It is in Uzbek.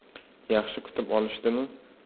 yaxshi kutib olishdimi